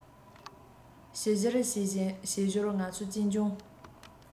བྱིལ བྱིལ བྱེད ཞོར ང ཚོ གཅེན གཅུང